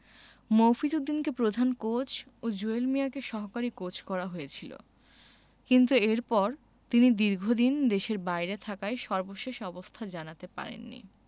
মফিজ উদ্দিনকে প্রধান কোচ ও জুয়েল মিয়াকে সহকারী কোচ করা হয়েছিল কিন্তু এরপর তিনি দীর্ঘদিন দেশের বাইরে থাকায় সর্বশেষ অবস্থা জানতে পারেননি